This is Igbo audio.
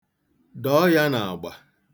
Dọọ ya n'agba.